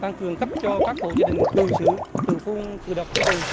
tăng cường cấp cho các hộ gia đình tự xử tự phun khử độc tiêu trùng